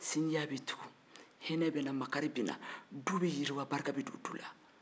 hinɛ ni makari be du bɛ yiriwa